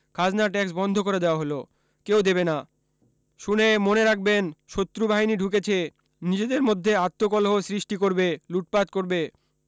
খাজনা ট্যাক্স বন্ধ করে দেয়া হলো কেউ দেবে না শুনে মনে রাখবেন শত্রু বাহিনী ঢুকেছে নিজেদের মধ্যে আত্মকলহ সৃষ্টি করবে লুটপাট করবে